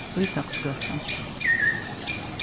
ísaksgøta